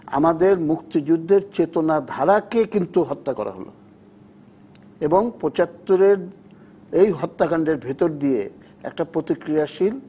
আমাদের মুক্তিযুদ্ধের চেতনা ধারাকে কিন্তু হত্যা করা হলো এবং৭৫ এর এই হত্যাকাণ্ডের ভিতর দিয়ে একটি প্রতিক্রিয়াশীল